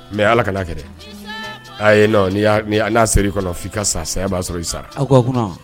Mɛ ala kana'a kɛ a ye n'a se i kɔnɔ fi ka sa saya b'a sɔrɔ i sara